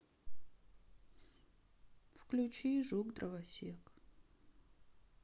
включи жук дровосек